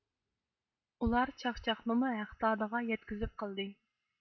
ئۇلار چاقچاقنىمۇ ھەغدادىغا يەتكۈزۈپ قىلدى